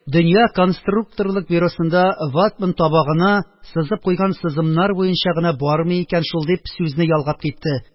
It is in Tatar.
Дөнья конструкторлык бюросында ватман табагына сызып куйган сызымнар буенча гына бармый икән шул !– дип сүзне ялгап китте